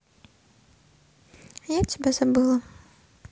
я тебя забыла